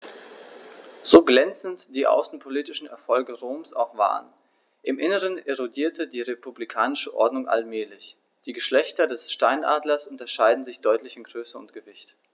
So glänzend die außenpolitischen Erfolge Roms auch waren: Im Inneren erodierte die republikanische Ordnung allmählich. Die Geschlechter des Steinadlers unterscheiden sich deutlich in Größe und Gewicht.